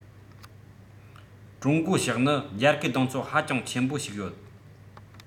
ཀྲུང གོ ཕྱོགས ནི རྒྱལ ཁའི གདེང ཚོད ཧ ཅང ཆེན པོ ཞིག ཡོད